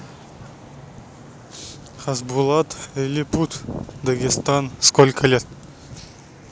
хасбулат лилипут дагестан сколько лет